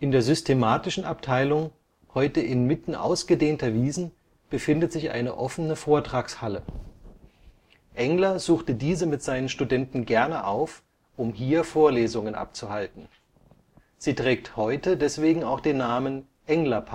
der systematischen Abteilung, heute inmitten ausgedehnter Wiesen, befindet sich eine offene Vortragshalle. Engler suchte diese mit seinen Studenten gerne auf, um hier Vorlesungen abzuhalten. Sie trägt heute deswegen auch den Namen „ Engler-Pavillon